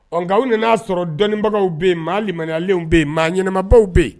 Ɔ aw ni'a sɔrɔ dɔnibagaw bɛ yen maayalen bɛ yen maa ɲɛnɛmabagaw bɛ yen